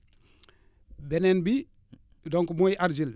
beneen bi donc mooy argile bi